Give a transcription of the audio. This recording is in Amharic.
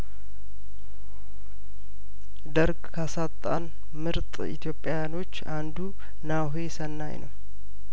ደርግ ካሳጣን ምርጥ ኢትዮጵያውያኖች አንዱ ናሆሰናይ ነው